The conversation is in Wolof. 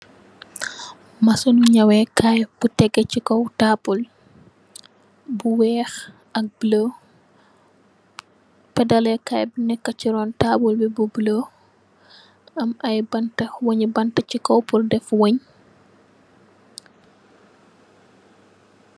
Masun gi nëwèkaay bu tégé ci kaw taabl bu weeh ak bulo. Pèdallèkaay bi nekka chi ron taabl bu bulo, am ay banta wënn nu bant ci kaw def wënn.